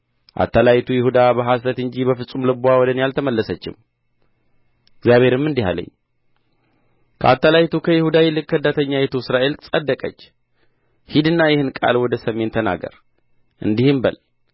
አታላይቱ ይሁዳ በሐሰት እንጂ በፍጹም ልብዋ ወደ እኔ አልተመለሰችም እግዚአብሔርም እንዲህ አለኝ ከአታላይቱ ከይሁዳ ይልቅ